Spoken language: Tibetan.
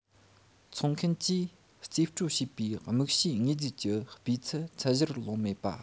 འཚོང མཁན གྱིས རྩིས སྤྲོད བྱས པའི དམིགས བྱའི དངོས རྫས ཀྱི སྤུས ཚད ཚད གཞིར ལོངས མེད པ